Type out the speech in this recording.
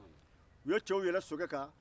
u ye cɛw yɛlɛn sokɛ kan